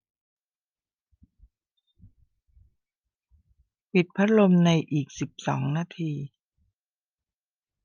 ปิดพัดลมในอีกสิบสองนาที